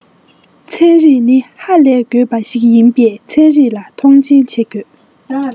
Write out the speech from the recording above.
ཚན རིག ནི ཧ ལས དགོས པ ཞིག ཡིན པས ཚན རིག ལ མཐོང ཆེན བྱེད དགོས